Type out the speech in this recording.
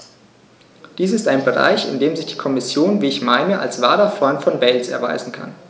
Dies ist ein Bereich, in dem sich die Kommission, wie ich meine, als wahrer Freund von Wales erweisen kann.